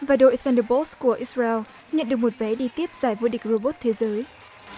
và đội sen đồ bốt của ích reo nhận được một vé đi tiếp giải vô địch rô bốt thế giới